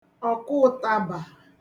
ọ̀kụụtabà